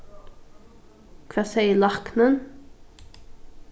hvat segði læknin